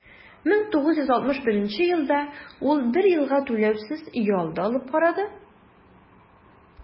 1961 елда ул бер елга түләүсез ял да алып карады.